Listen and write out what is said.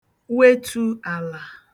wetù àlà